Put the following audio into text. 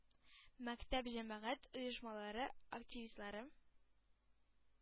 Мәктәп җәмәгать оешмалары активистлары,